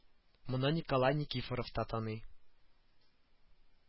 Моны николай никифоров та таный